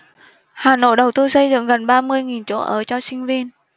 hà nội đầu tư xây dựng gần ba mươi nghìn chỗ ở cho sinh viên